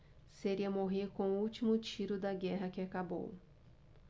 seria morrer com o último tiro da guerra que acabou